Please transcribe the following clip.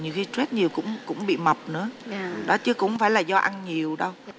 nhiều khi troét nhiều cũng cũng bị mập nữa đó chứ cũng phải là do ăn nhiều đâu